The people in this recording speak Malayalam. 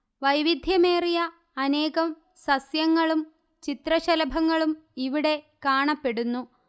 വൈവിദ്ധ്യമേറിയ അനേകം സസ്യങ്ങളും ചിത്രശലഭങ്ങളും ഇവിടെ കാണപ്പെടുന്നു